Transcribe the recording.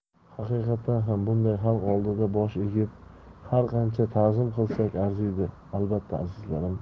haqiqatan ham bunday xalq oldida bosh egib har qancha ta'zim qilsak arziydi albatta azizlarim